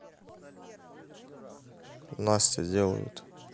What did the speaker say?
настя делают